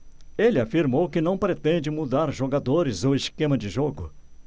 ele afirmou que não pretende mudar jogadores ou esquema de jogo